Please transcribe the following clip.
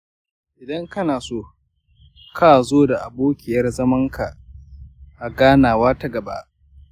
idan kana so, ka zo da abokiyar zamanka a ganawa ta gaba.